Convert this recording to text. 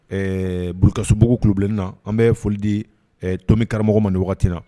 Ɛɛurukasobugubilenin na an bɛ foli di tomi karamɔgɔ man wagati na